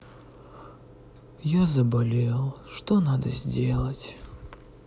я заболел что надо сделать